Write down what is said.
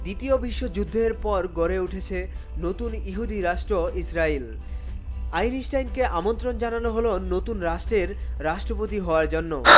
দ্বিতীয় বিশ্বযুদ্ধের পর গড়ে উঠেছে নতুন ইহুদি রাষ্ট্র ইসরাইল আইনস্টাইনকে আমন্ত্রণ জানানো হলো নতুন রাষ্ট্রের রাষ্ট্রপতি হওয়ার জন্য